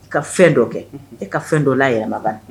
I ka fɛn dɔ kɛ e ka fɛn dɔ la yɛlɛma